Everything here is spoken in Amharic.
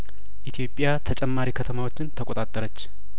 ኢትዮጵያ ተጨማሪ ከተማዎችን ተቆጣጠረች